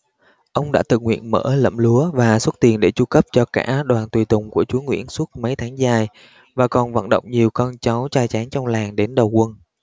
ông đã tự nguyện mở lẫm lúa và xuất tiền của để chu cấp cho cả đoàn tùy tùng của chúa nguyễn suốt mấy tháng dài và còn vận động nhiều con cháu và trai tráng trong làng đến đầu quân